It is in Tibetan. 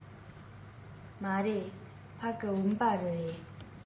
ལམ ཆས ཤིན ཏུ མང བའི རྐྱེན གྱི དོས སྐྱེལ བ མ གླས ན ཐབས གཞན མེད པས